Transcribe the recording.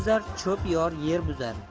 cho'p chor yer buzar